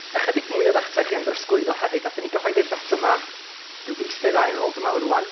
Ychydig mwy o ddata i chi am drosglwyddo hefyd. Wnaethon ni gyhoeddi'r data 'ma ryw fis neu ddau yn ôl dwi'n meddwl rŵan.